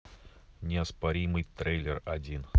неоспоримый трейлер один